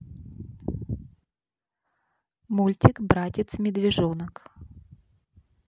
мультик братец медвежонок